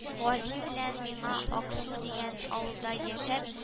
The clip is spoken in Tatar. Гали белән миңа Аксу дигән авылда яшәп